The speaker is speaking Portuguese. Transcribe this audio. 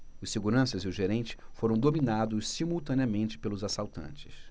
os seguranças e o gerente foram dominados simultaneamente pelos assaltantes